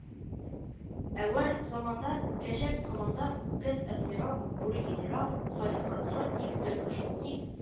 Әүвәл заманда, кәҗә команда, үгез адмирал, бүре генерал, саескан сотник, төлке шутник